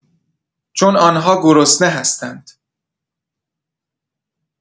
چون آن‌ها گرسنه هستند.